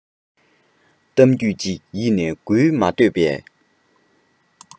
གཏམ རྒྱུད ཅིག ཡིད ནས སྒུལ མ འདོད པས